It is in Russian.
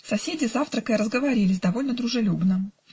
Соседи, завтракая, разговорились довольно дружелюбно.